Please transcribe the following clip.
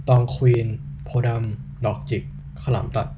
ตองควีนโพธิ์ดำดอกจิกข้าวหลามตัด